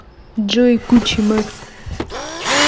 джой кучи макс